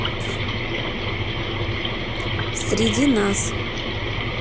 среди нас